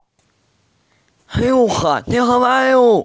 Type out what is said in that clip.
шлюха ты говорю